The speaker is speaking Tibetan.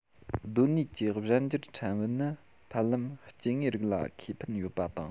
གདོད ནུས ཀྱི གཞན འགྱུར ཕྲན བུ ནི ཕལ ལམ སྐྱེ དངོས རིགས ལ ཁེ ཕན ཡོད པ དང